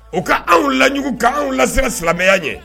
U ka anw laugu ka anw la se ka silamɛya ɲɛ